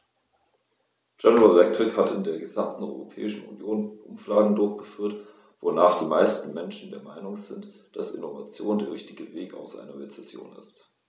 General Electric hat in der gesamten Europäischen Union Umfragen durchgeführt, wonach die meisten Menschen der Meinung sind, dass Innovation der einzige Weg aus einer Rezession ist.